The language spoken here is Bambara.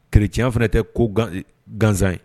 Kɛlɛrecya fana tɛ ko gansan ye